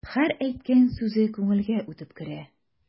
Һәр әйткән сүзе күңелгә үтеп керә.